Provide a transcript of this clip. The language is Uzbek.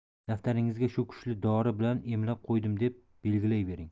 daftaringizga shu kuchli dori bilan emlab qo'ydim deb belgilayvering